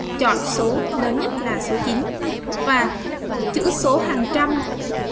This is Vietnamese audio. chọn số lớn nhất là số và chữ số hàng trăm